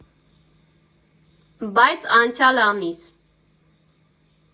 Բայց անցյալ ամիս…